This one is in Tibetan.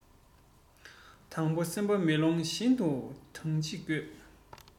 དང པོ སེམས པ མེ ལོང བཞིན དུ དྭངས གཅིག དགོས